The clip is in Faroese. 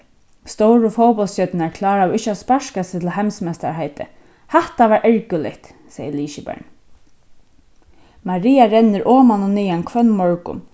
stóru fótbóltsstjørnurnar kláraðu ikki at sparka seg til heimsmeistaraheitið hatta var ergiligt segði liðskiparin maria rennur oman og niðan hvønn morgun